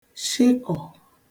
shịkọ̀